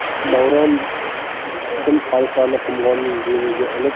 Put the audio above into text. davron sim halqani qumg'onning bo'yniga